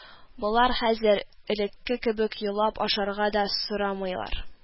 Болар хәзер элекке кебек елап ашарга да сорамыйлар